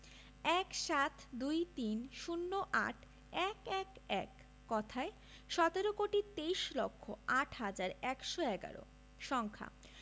১৭ ২৩ ০৮ ১১১ কথায়ঃ সতেরো কোটি তেইশ লক্ষ আট হাজার একশো এগারো সংখ্যা